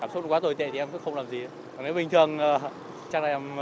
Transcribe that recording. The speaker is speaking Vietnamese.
cảm xúc quá tồi tệ đến mức không làm gì và nếu bình thường chắc là em